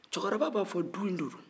cɛkɔrɔba b'a fɔ dundo